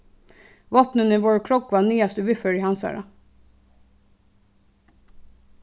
vápnini vórðu krógvað niðast í viðføri hansara